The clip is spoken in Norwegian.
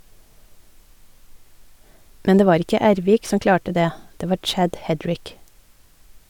Men det var ikke Ervik som klarte det , det var Chad Hedrick.